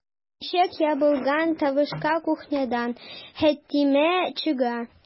Ишек ябылган тавышка кухнядан Хәтимә чыга.